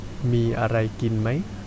มีอะไรกินไหม